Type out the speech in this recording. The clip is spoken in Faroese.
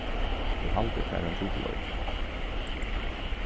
eg haldi at tað er ein trupulleiki